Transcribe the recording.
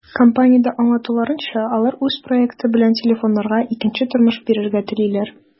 Компаниядә аңлатуларынча, алар үз проекты белән телефоннарга икенче тормыш бирергә телиләр.